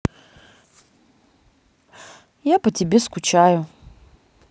я по тебе скучаю